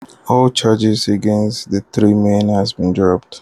All charges against the three men have been dropped.